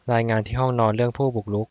รายงานที่ห้องนอนเรื่องผู้บุกรุก